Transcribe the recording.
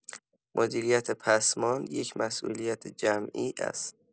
مدیریت پسماند یک مسئولیت جمعی است.